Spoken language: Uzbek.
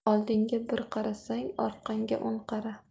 oldingga bir qarasang orqangga o'n qara